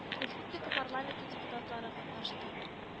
Республика парламенты депутатлары катнашты